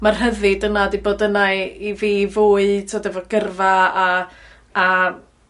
ma'r rhyddid yna 'di bod yna i i fi fwy t'od efo gyrfa a a